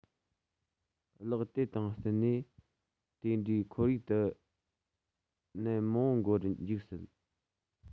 གླགས དེ དང བསྟུན ནས དེ འདྲའི ཁོར ཡུག ཏུ ནད མང པོ འགོ རུ འཇུག སྲིད ལ